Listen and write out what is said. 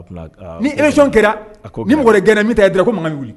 Ni élection kɛra ni mɔgɔ wɛrɛ gagné na min tɛ Hayidara ye ko mankan bɛ wuli